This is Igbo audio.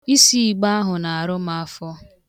Isi igbo ahụ na-arụ m afọ.